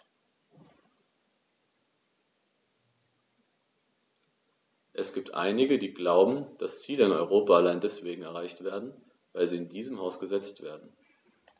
Es gibt einige, die glauben, dass Ziele in Europa allein deswegen erreicht werden, weil sie in diesem Haus gesetzt werden.